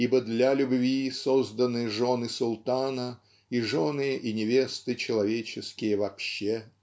Ибо для любви созданы жены султана и жены и невесты человеческие вообще.